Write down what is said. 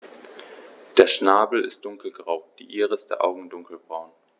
Der Schnabel ist dunkelgrau, die Iris der Augen dunkelbraun.